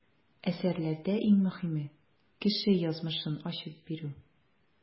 Әсәрләрдә иң мөһиме - кеше язмышын ачып бирү.